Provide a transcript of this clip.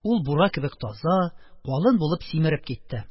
Ул бура кебек таза, калын булып симереп китте.